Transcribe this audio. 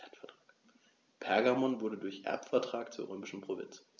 Pergamon wurde durch Erbvertrag zur römischen Provinz.